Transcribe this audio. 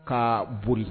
Ka boli